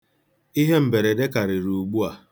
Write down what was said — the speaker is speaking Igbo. Ihe mberede karịrị ugbua.